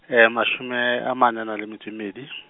e mashome a mane a nang le metso e mmedi .